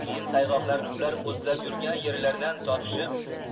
keyin sayg'oqlarni ular o'tlab yurgan yerlardan topishib